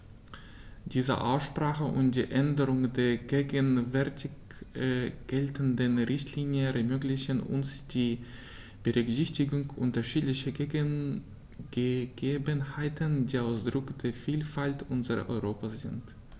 Diese Aussprache und die Änderung der gegenwärtig geltenden Richtlinie ermöglichen uns die Berücksichtigung unterschiedlicher Gegebenheiten, die Ausdruck der Vielfalt unseres Europas sind.